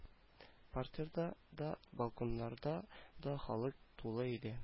Партерда да балконнарда да халык тулы иде